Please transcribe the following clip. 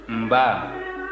nba